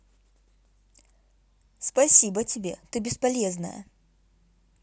спасибо тебе ты бесполезная